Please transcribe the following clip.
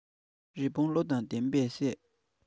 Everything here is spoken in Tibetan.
རི བོང བློ དང ལྡན པས བསད